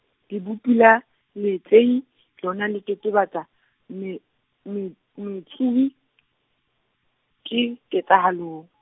Lebopi la, leetsehi, lona le totobatsa, mme, moe-, moetsuwi , ke, ketsahalong.